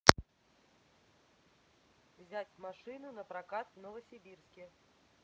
взять машину на прокат в новосибирске